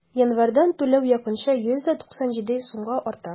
Январьдан түләү якынча 197 сумга арта.